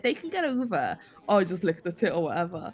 if they can get over "Oh, I just licked her tit, or whatever."